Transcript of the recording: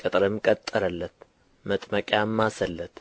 ቅጥርም ቀጠረለት መጥመቂያም ማሰለት